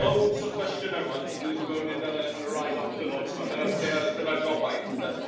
Loads o cwestiynau rŵan, so dwi ddim yn gorod mynd ar y ar y ride Octonauts yma. Dynadyna'r gobaith, ynde.